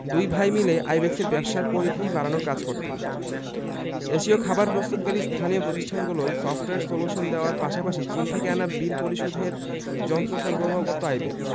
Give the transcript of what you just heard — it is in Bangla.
দুই ভাই মিলে আইব্যাকসের ব্যবসার পরিধি বাড়ানোর কাজ করতেন এশীয় খাবার প্রস্তুতকারী স্থানীয় প্রতিষ্ঠানগুলোয় সফটওয়্যার সলিউশন দেওয়ার পাশাপাশি চীন থেকে আনা বিল পরিশোধের যন্ত্র সরবরাহ করত আইব্যাকস